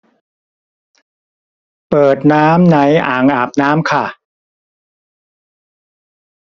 เปิดน้ำในอ่างอาบน้ำค่ะ